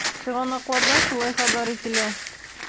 Чыганакларда шулай хәбәр ителә.